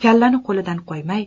kallani qo'lidan qo'ymay